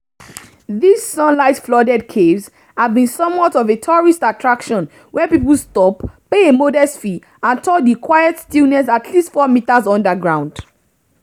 These sunlight-flooded caves have been somewhat of a tourist attraction where people stop, pay a modest fee, and tour the quiet stillness at least four meters underground.